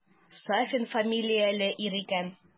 Сафин фамилияле ир икән.